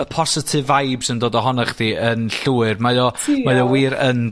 ...y positive vines yn dod ohono chdi yn llwyr. Mae o... Diolch. ...mae o wir yn